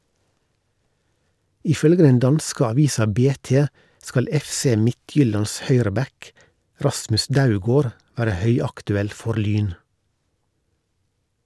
Ifølge den danske avisa BT skal FC Midtjyllands høyreback, Rasmus Daugaard, være høyaktuell for Lyn.